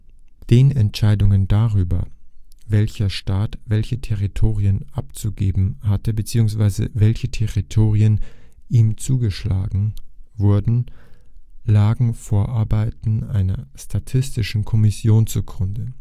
Den Entscheidungen darüber, welcher Staat welche Territorien abzugeben hatte bzw. welche Territorien ihm zugeschlagen wurden, lagen Vorarbeiten einer „ Statistischen Kommission “zugrunde